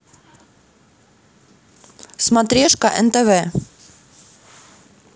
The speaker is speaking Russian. смотрешка нтв